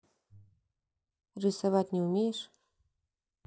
рисовать не умеешь